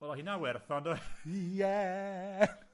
Wel, o' hynna'n werth o, yndodd e? Ie!